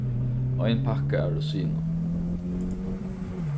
ein pakka av rosinum